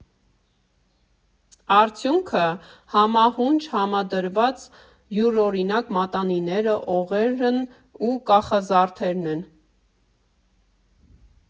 Արդյունքը՝ համահունչ համադրված յուրօրինակ մատանիները, օղերն ու կախազարդերն են։